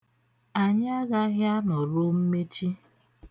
Anyị agaghị anọruo mmechi.